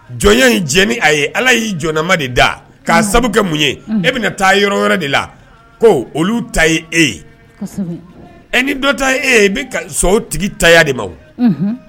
Jɔnya in jɛn ni a ye Ala y'i jɔnnama de da k'a sabu mun ye e bɛna taa yɔrɔ wɛrɛ de la ko olu ta ye e ye, kosɛbɛ, e ni dɔ ta e ye bɛ sɔn o tigi taya de ma, unhun